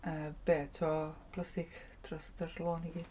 Yy, be? Tô plastig drost yr lôn i gyd?